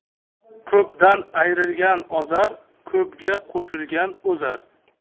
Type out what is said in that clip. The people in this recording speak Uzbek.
ko'pdan ayrilgan ozar ko'pga qo'shilgan o'zar